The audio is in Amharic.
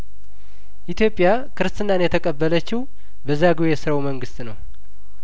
ኢትዮጵያ ክርስትናን የተቀበለችው በዛጔ ስረወ መንግስት ነው